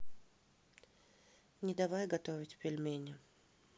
нет давай готовить пельмени